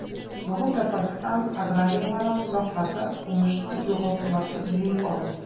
Бүген Татарстан аграрийларының максаты – уңышны югалтуларсыз җыеп алу.